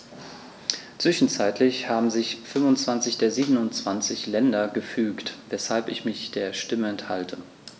Zwischenzeitlich haben sich 25 der 27 Länder gefügt, weshalb ich mich der Stimme enthalte.